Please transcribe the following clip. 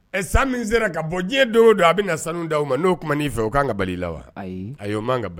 Ɛ san min sera ka bɔ diɲɛ don o don a bɛ na sanu di aw ma n'o kuman'i fɛ kan ka bal'i la wa, ayi, ayi o man ka